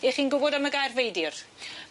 'Ych chi'n gwbod am y gair feidyr?